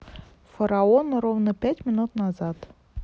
фараон ровно пять минут назад